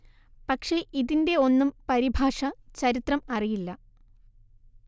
പക്ഷെ ഇതിന്റെ ഒന്നും പരിഭാഷ ചരിത്രം അറിയില്ല